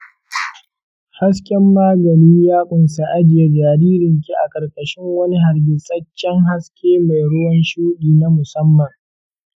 hasken magani ya ƙunsa ajiye jaririnki a ƙarƙashin wani hargitsaccen haske mai ruwan shuɗi na musamman